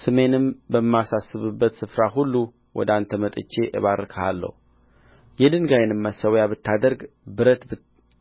ስሜን በማሳስብበት ስፍራ ሁሉ ወደ አንተ መጥቼ እባርክሃለሁ የድንጋይም መሠዊያ ብታደርግልኝ ብረት